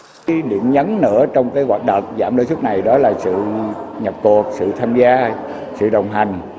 cái điểm nhấn nữa trong cái hoạt đợt giảm lãi suất này đó là sự nhập cuộc sự tham gia sự đồng hành